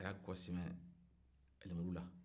a y' a kɔ sɛmɛ lemurula